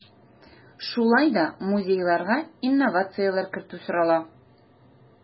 Шулай да музейларга инновацияләр кертү сорала.